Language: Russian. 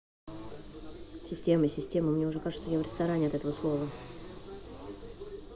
система система мне уже кажется что я в ресторане от этого слова